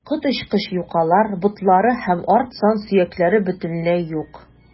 Коточкыч юкалар, ботлары һәм арт сан сөякләре бөтенләй юк.